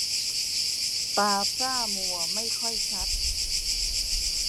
ตาพร่ามัวไม่ค่อยชัด